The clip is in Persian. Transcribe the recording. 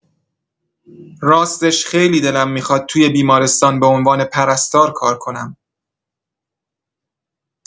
راستش خیلی دلم می‌خواد توی بیمارستان به عنوان پرستار کار کنم.